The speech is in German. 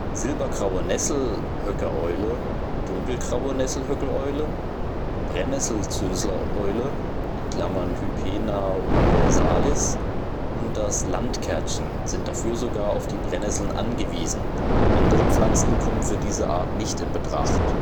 Silbergraue Nessel-Höckereule, Dunkelgraue Nessel-Höckereule, Brennnessel-Zünslereule (Hypena obesalis) und das Landkärtchen sind dafür sogar auf die Brennnessel angewiesen, andere Pflanzen kommen für diese Arten nicht in Betracht